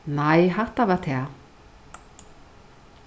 nei hatta var tað